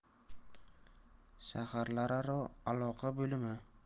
shaharlararo aloqa bo'limi